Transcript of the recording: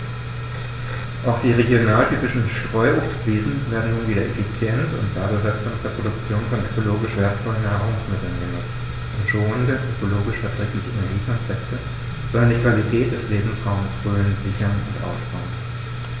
Auch die regionaltypischen Streuobstwiesen werden nun wieder effizient und werbewirksam zur Produktion von ökologisch wertvollen Nahrungsmitteln genutzt, und schonende, ökologisch verträgliche Energiekonzepte sollen die Qualität des Lebensraumes Rhön sichern und ausbauen.